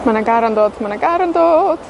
Ma' 'na gar yn dod. Ma' 'na gar yn dod.